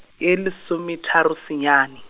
e lesometharo senyane.